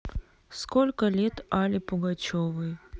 сколько лет алле пугачевой